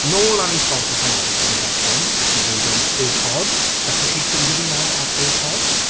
nôl lan i Spotify, and other streaming platforms including Y Pod. Gallech chi ffeindio fi nawr ar Y Pod.